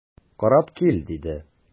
Карап кил,– диде.